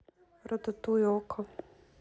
рататуй окко